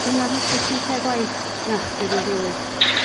'di hynna'n helpu chdi'n lle gwaith? Nachdi ddim rili.